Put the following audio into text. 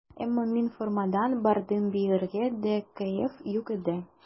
Әмма мин формадан бардым, биергә дә кәеф юк иде.